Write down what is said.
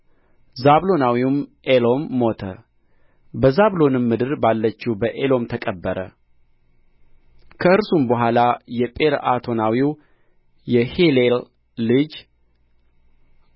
ዛብሎናዊውም ኤሎም ሞተ በዛብሎንም ምድር ባለችው በኤሎም ተቀበረ ከእርሱም በኋላ የጲርዓቶናዊው የሂሌል ልጅ